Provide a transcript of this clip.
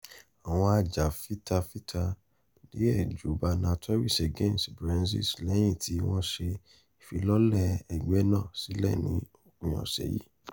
Àwọn ajàfitafita díẹ̀ ju bánà Tories Against Brexit lẹ́yìn tí wọ́n ṣẹ ìfilọ́lẹ̀ ẹgbẹ́ náà sílẹ̀ ní òpin ọ̀sẹ̀ yìí.